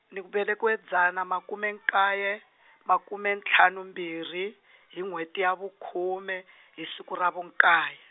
ni ku velekiwe dzana makume nkaye, makume ntlhanu mbirhi, hi n'wheti ya vukhume , hi siku ra vu nkaye.